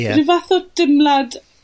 Ie. ...rhyw fath o dimlad